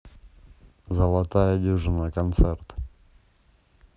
золотая дюжина концерт